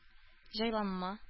Җайланма